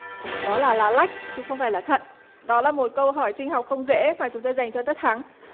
đó là lá lách chứ không phải là thận đó là một câu hỏi sinh học không dễ mà chúng tôi dành cho tất thắng